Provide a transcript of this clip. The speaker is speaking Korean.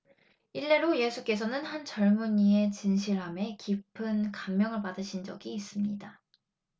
일례로 예수께서는 한 젊은이의 진실함에 깊은 감명을 받으신 적이 있습니다